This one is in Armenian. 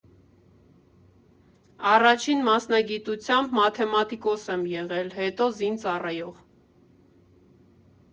Առաջին մասնագիտությամբ մաթեմատիկոս եմ եղել, հետո՝ զինծառայող։